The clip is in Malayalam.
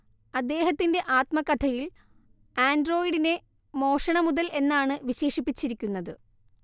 അദ്ദേഹത്തിന്റെ ആത്മകഥയിൽ ആൻഡ്രോയിഡിനെ മോഷണ മുതൽ എന്നാണ് വിശേഷിപ്പിച്ചിരിക്കുന്നത്